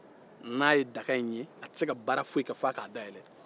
n'a ye daga in ye a te se ka baara foyi kɛ n'a m'a dayɛlɛn